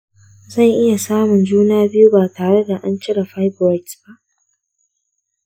zan iya samun juna biyu ba tare da an cire fibroids ba?